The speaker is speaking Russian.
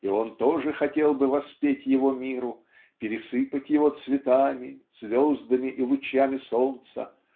И он тоже хотел бы воспеть его миру пересыпать его цветами звездами и лучами солнца